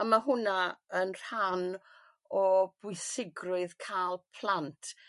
On' ma' hwnna yn rhan o bwysigrwydd ca'l plant.